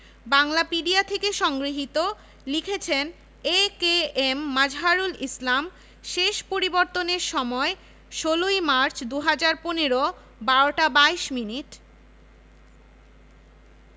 একটি বহুমুখী বিপনণি কেন্দ্রও নির্মাণ করার পরিকল্পনা রয়েছে